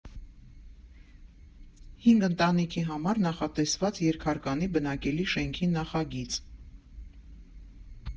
Հինգ ընտանիքի համար նախատեսված երկհարկանի բնակելի շենքի նախագիծ։